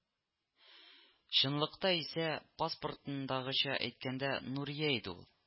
Чынлыкта исә, паспортындагыча әйткәндә, Нурия иде ул